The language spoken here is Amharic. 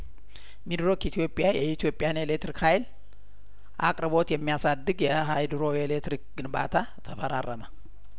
ሚድሮክ ኢትዮጵያ የኢትዮጵያን ኤሌትሪክ ሀይል አቅርቦት የሚያሳድግ የሀይድሮ ኤሌትሪክ ግንባታ ተፈራረመ